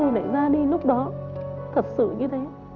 đi lúc đó thật sự như thế